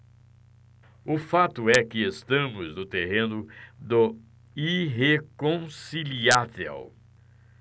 o fato é que estamos no terreno do irreconciliável